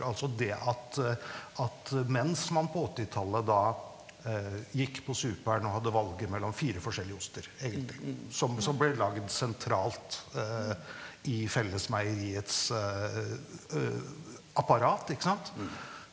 altså det at at mens man på åttitallet da gikk på superen og hadde valget mellom fire forskjellige oster egentlig som som ble lagd sentralt i fellesmeieriets apparat, ikke sant.